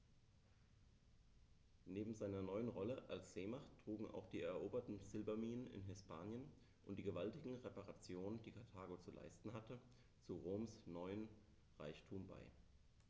Neben seiner neuen Rolle als Seemacht trugen auch die eroberten Silberminen in Hispanien und die gewaltigen Reparationen, die Karthago zu leisten hatte, zu Roms neuem Reichtum bei.